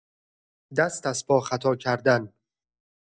دست از پا خطا کردن